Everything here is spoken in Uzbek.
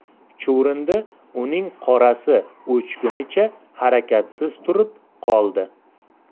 chuvrindi uning qorasi o'chgunicha harakatsiz turib qoldi